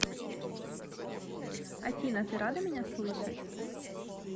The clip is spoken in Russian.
афина ты рада меня слышать